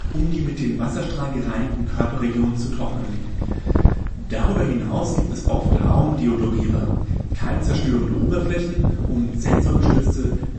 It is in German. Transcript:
um die mit dem Wasserstrahl gereinigten Körperregionen zu trocknen. Darüber hinaus gibt es oft Raumdeodorierer, keimzerstörende Oberflächen und sensorgestützte